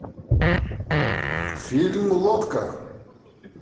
фильм лодка